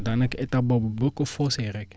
daanaka étape boobu boo ko faussé rek